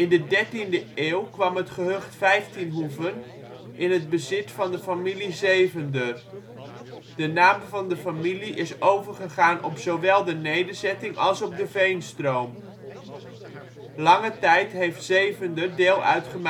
de 13e eeuw kwam het gehucht Vijftienhoeven in het bezit van de familie Zevender. De naam van de familie is overgegaan op zowel de nederzetting als op de veenstroom. Lange tijd heeft Zevender deel uit